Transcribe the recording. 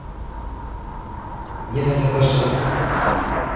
не надо пожалуйста